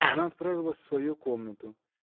Она отправилась в свою комнату.